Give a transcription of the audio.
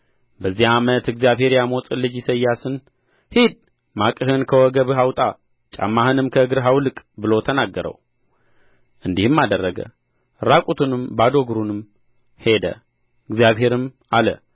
በዚያ ዓመት እግዚአብሔር የአሞጽን ልጅ ኢሳይያስን ሂድ ማቅህን ከወገብህ አውጣ ጫማህንም ከእግርህ አውልቅ ብሎ ተናገረው እንዲህም አደረገ ራቁቱንም ባዶ እግሩንም ሄደ እግዚአብሔርም አለ